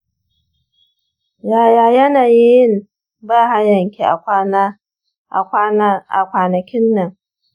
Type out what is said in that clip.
yaya yanayin yin bahayanki a kwana kinnan?